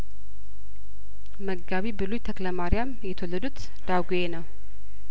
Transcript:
መጋቢ ብሉይ ተክለማሪያም የተወለዱት ዳጔ ነው